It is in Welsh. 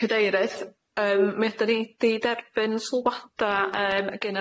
Hyd eirydd yym mi ydan ni 'di derbyn sylwada yym gan